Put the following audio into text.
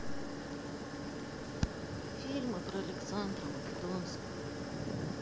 фильмы про александра македонского